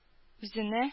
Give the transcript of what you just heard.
Үзенә